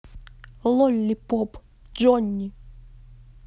лолли поп джонни